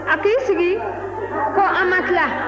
a k'i sigi ko an ma tila